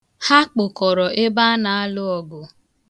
Ha kpụkọrọ ebe a na-alụ ọgụ.